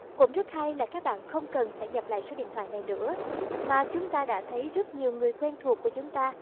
cũng rất hay là các bạn không cần phải nhập lại số điện thoại này nữa mà chúng ta đã thấy rất nhiều người quen thuộc của chúng ta